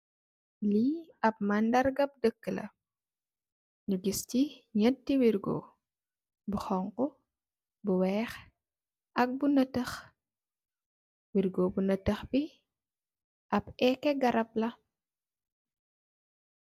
Li ap mandargap dék la, ñi gis ci ñetti wirgo bu xonxu, bu wèèx, ak bu natax. Wirgo bu natax bi ap èèk garap la.